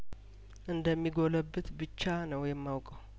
እንደሚ ጐለብት ብቻ ነው የማውቀው